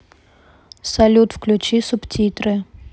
салют включи субтитры